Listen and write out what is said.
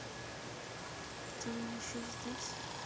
ты еще здесь